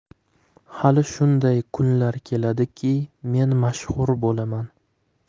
hali shunday kunlar keladiki men mashxur bo'laman